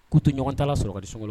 K'u tɛ ɲɔgɔn ta lasɔrɔ ka di sungalo m